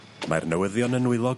Mae'r newyddion yn nwylo...